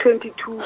twenty two .